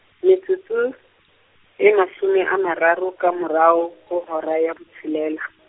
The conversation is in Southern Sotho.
metsotso, e mashome a mararo ka morao, ho hora ya botshelela.